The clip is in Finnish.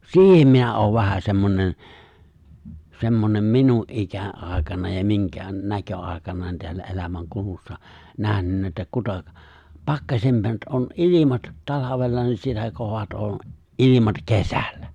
siihen minä olen vähän semmoinen semmoinen minun ikäaikana ja minkään näköaikana täällä elämänkulussa nähnyt että kuta pakkasemmat on ilmat talvella niin sitä kovemmat on ilmat kesällä